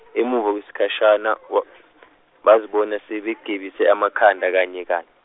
emuva kwesikhashana wa- bazibona sebegebise amakhanda kanye kanye.